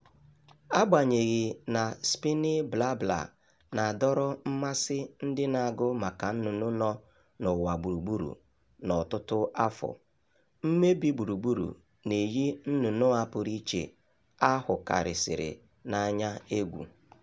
Agbanyeghị na Spiny Blabbler na-adọrọ mmasị ndị na-agụ maka nnụnụ nọ n'ụwa gburugburu n'ọtụtụ afọ, mmebi gburugburu na-eyi nnụnụ a pụrụ iche a hụkarịsịrị n'anya egwu.